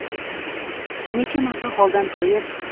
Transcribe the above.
necha marta holdan toyib